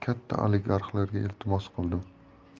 katta oligarxlarga iltimos qildim